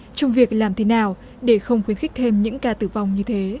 trong việc làm thế nào để không khuyến khích thêm những ca tử vong như thế